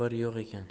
bir yo'q ekan